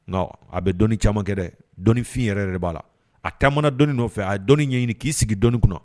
Non a be dɔni caman kɛ dɛ dɔɔnifin yɛrɛ-yɛrɛ de b'a la a taamana dɔni nɔfɛ fɛ a ye dɔni ɲɛɲini k'i sigi dɔni kuna